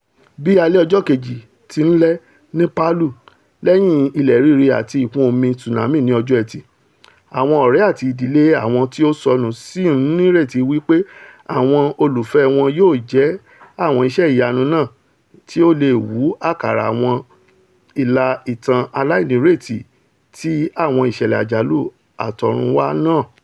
Bí alẹ́ ọjọ́ kejì ti ńlẹ́ ní Palu lẹ́yìn ilẹ̀ rírì àti ìkún-omi tsunami ti ọjọ́ Ẹtì, àwọn ọ̀rẹ́ àti ìdílé àwọn tí ó ṣọnù sì ńní ìrèti wí pé àwọn olùfẹ́ wọn yóò jẹ́ àwọn iṣẹ́ ìyanu náà tí ó leè wú àkàrà àwọn ìlà ìtàn aláìnírètí ti àwọn iṣ̵ẹ̀lẹ̀ àjálù àtọ̀runwá náà.